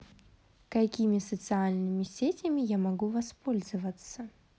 какими социальными сетями я могу воспользоваться